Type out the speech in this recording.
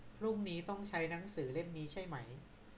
พรุ่งนี้ใช้หนังสือเล่มนี้ใช่ไหม